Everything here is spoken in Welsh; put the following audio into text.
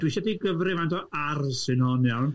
Dwi isio yi gyfri' faint o 'ar' sy'n hon iawn.